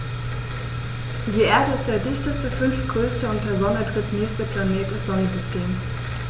Die Erde ist der dichteste, fünftgrößte und der Sonne drittnächste Planet des Sonnensystems.